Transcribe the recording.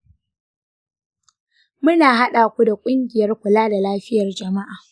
muna haɗa ku da ƙungiyar kula da lafiyar jama'a.